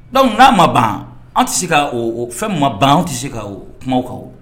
Dɔnku n'an ma ban an tɛ se ka fɛn ma ban anw tɛ se ka kuma kan